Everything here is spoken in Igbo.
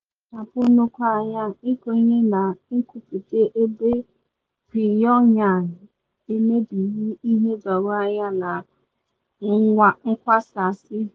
Washington na akpachapụ nnukwu anya ịkwenye na nkwupute ebe Pyongyang emebeghị ihe doro anya na nkwasasị.